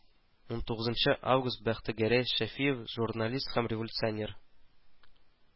Унтугызынчы август бәхтегәрәй шәфиев, журналист һәм революционер